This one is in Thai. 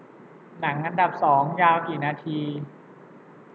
หนังอันดับสองยาวกี่นาที